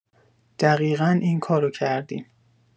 دقیقا اینکارو کردیم